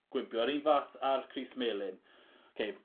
gwibio yr un fath a'r crys melyn Alexander Kristoff. 'K.